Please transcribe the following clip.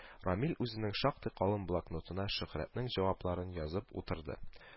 Рәмил үзенең шактый калын блокнотына Шөһрәтнең җавапларын язып утырды